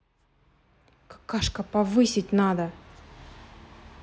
какашка повысить надо